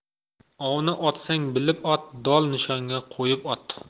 ovni otsang bilib ot dol nishonga qo'yib ot